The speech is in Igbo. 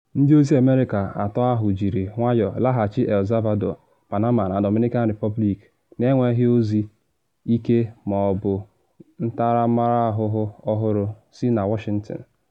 Ndị ozi America atọ ahụ jiri nwayọ laghachi El Salvador, Panama na Dominican Republic na enweghị ozi ike ma ọ bụ ntaramahụhụ ọhụrụ si na Washington.